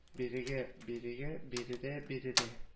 Бирегә бирегә биредә биредә